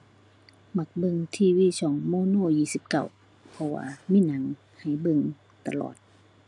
มักเบิ่ง TV ช่อง Mono 29 เพราะว่ามีหนังให้เบิ่งตลอด